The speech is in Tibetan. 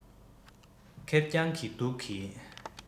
ཁེར རྐྱང གི སྡུག གིས